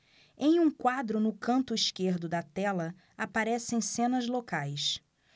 em um quadro no canto esquerdo da tela aparecem cenas locais